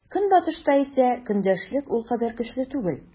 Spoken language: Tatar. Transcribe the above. Көнбатышта исә көндәшлек ул кадәр көчле түгел.